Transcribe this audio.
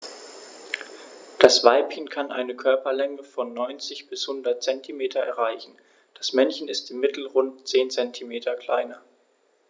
Das Weibchen kann eine Körperlänge von 90-100 cm erreichen; das Männchen ist im Mittel rund 10 cm kleiner.